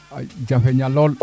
a jafe ña lool